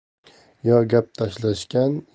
yo gap talashgan